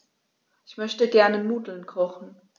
Ich möchte gerne Nudeln kochen.